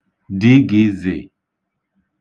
dgz